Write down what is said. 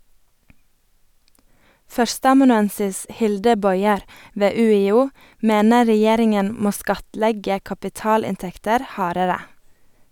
Førsteamanuensis Hilde Bojer ved UiO mener regjeringen må skattlegge kapitalinntekter hardere.